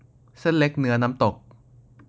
เส้นเล็กเนื้อน้ำตก